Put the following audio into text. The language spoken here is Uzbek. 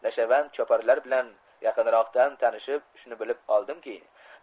nashavand choparlar bilan yaqinroqdan tanishib shuni bilib oldimki